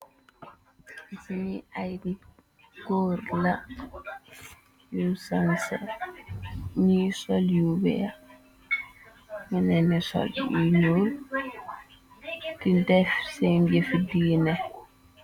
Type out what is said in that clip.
Ci ñi ay gor la yu sencer ñuy sol yu weex mëneni sol yu nyuul di def seen yefiddii ne.